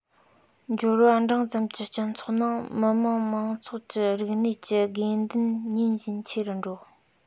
འབྱོར པ འབྲིང ཙམ གྱི སྤྱི ཚོགས ནང མི དམངས མང ཚོགས ཀྱི རིག གནས ཀྱི དགོས འདུན ཉིན བཞིན ཆེ རུ འགྲོ